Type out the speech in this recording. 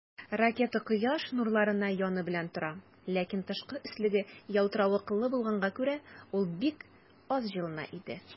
Ракета Кояш нурларына яны белән тора, ләкин тышкы өслеге ялтыравыклы булганга күрә, ул бик аз җылына иде.